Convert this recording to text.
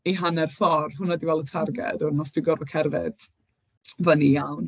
i hanner ffordd. Hwnna 'di fel y targed... m-hm. ...a wedyn os dwi'n gorfod cerdded t- fyny iawn.